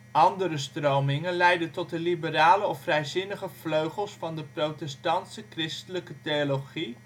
Andere stromingen leidden tot liberale vleugels van de protestantse christelijke theologie